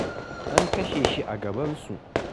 An kashe shi a gabansu.